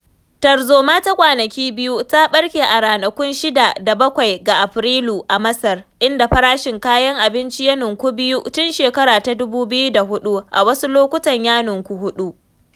Tarzoma ta kwanaki biyu ta ɓarke a ranakun 6 da 7 ga Afrilu a Masar, inda farashin kayan abinci ya ninku biyu tun 2004 (a wasu lokutan ya ninku huɗu).